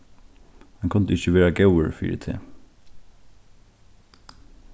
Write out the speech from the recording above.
hann kundi ikki vera góður fyri teg